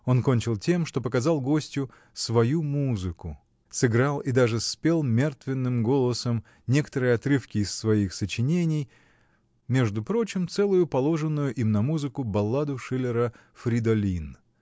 он кончил тем, что показал гостю свою музыку, сыграл и даже спел мертвенным голосом некоторые отрывки из своих сочинений, между прочим целую положенную им на музыку балладу Шиллера "Фридолин".